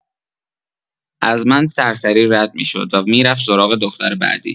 از من سرسری رد می‌شد و می‌رفت سراغ دختر بعدی.